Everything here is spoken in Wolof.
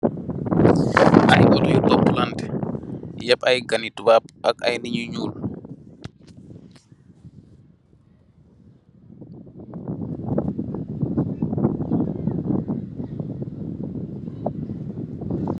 Ay auto yu topalanteh yeep ay gani toubab ak ai nitt yu nuul.